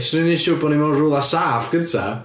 Fyswn i'n wneud yn siŵr bod ni mewn rywle saff gynta.